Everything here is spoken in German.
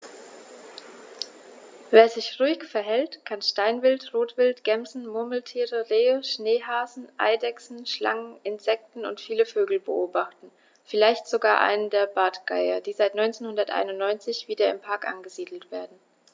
Wer sich ruhig verhält, kann Steinwild, Rotwild, Gämsen, Murmeltiere, Rehe, Schneehasen, Eidechsen, Schlangen, Insekten und viele Vögel beobachten, vielleicht sogar einen der Bartgeier, die seit 1991 wieder im Park angesiedelt werden.